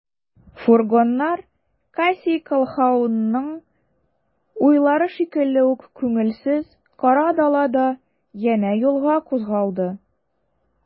Фургоннар Кассий Колһаунның уйлары шикелле үк күңелсез, кара далада янә юлга кузгалды.